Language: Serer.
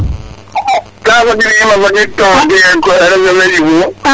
ke fagind ima fangind to reseau fe ƴufu